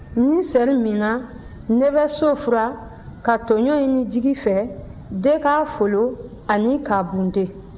ni seri minna ne bɛ so furan ka toɲɔ ɲini jigi fɛ de k'a folon ani k'a bunten